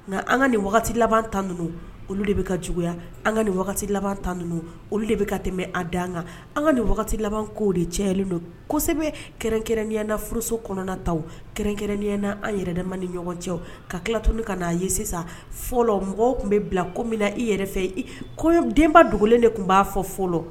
Nka an ka nin wagati laban tanun olu de bɛ ka juguya an ka nin wagati laban tan ninnu olu de bɛ ka tɛmɛ a dan an kan an ka nin wagati laban ko de cɛlen don kosɛbɛ kɛrɛnkɛrɛniya na furuso kɔnɔnata kɛrɛn-kɛrɛniya na an yɛrɛ mande ni ɲɔgɔn cɛ ka tilat ka n'a ye sisan fɔlɔ mɔgɔw tun bɛ bila ko min i yɛrɛ fɛ i ko denba dogolen de tun b'a fɔ fɔlɔ